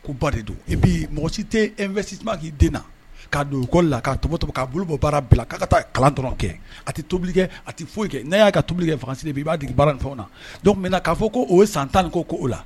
De bi mɔgɔ si tɛfɛ situma den na'a don u ko la k'a to to k'a bolo bɔ baara bila k'a ka taa kalan dɔrɔn kɛ a tɛ tobilikɛ a tɛ foyi kɛ n'a y'a ka tobili kɛ fan i b'a baara na k'a fɔ ko o ye san tan ko ko o la